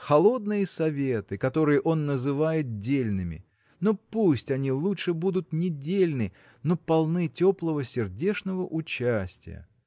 – холодные советы, которые он называет дельными но пусть они лучше будут недельны но полны теплого сердечного участия.